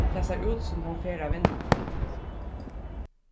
tað sær út sum hon fer at vinna